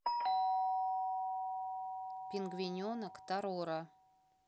пингвиненок тороро